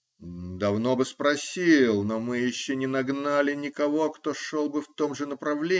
-- Давно бы спросил, но мы еще не нагнали никого, кто шел бы в том же направлении.